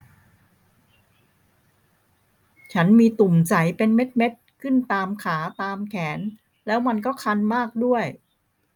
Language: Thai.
ฉันมีตุ่มใสเป็นเม็ดเม็ดขึ้นตามขาตามแขนแล้วมันก็คันมากด้วย